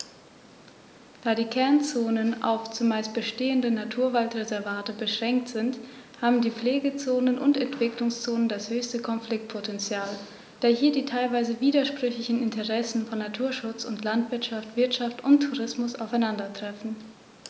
Da die Kernzonen auf – zumeist bestehende – Naturwaldreservate beschränkt sind, haben die Pflegezonen und Entwicklungszonen das höchste Konfliktpotential, da hier die teilweise widersprüchlichen Interessen von Naturschutz und Landwirtschaft, Wirtschaft und Tourismus aufeinandertreffen.